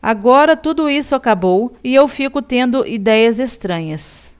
agora tudo isso acabou e eu fico tendo idéias estranhas